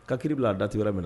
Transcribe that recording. Ka kiri bila a dati wɛrɛ minɛ